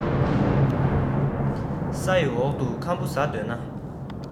ས ཡི འོག ཏུ ཁམ བུ ཟ འདོད ན